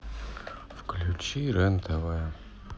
включите рен тв